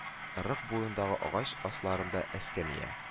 Ырык буендагы агач асларында эскәмия